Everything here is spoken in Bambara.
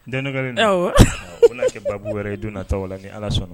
Den ko na se baa wɛrɛ ye don taa la kɛ ala sɔnna